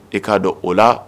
I k'a dɔn o la